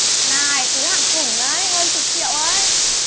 này túi hàng khủng đấy hơn chục triệu ấy